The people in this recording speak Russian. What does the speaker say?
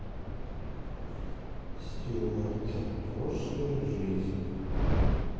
стюарт прошлая жизнь